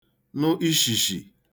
nụ ishìshì